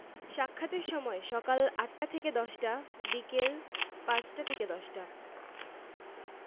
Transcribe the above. পিত্তশূল লিউকেরিয়া প্রভৃতি রোগের চিকিৎসা অতি যত্নের সহিত করা হয় ডাঃ A B M Kabil Ahmed M A L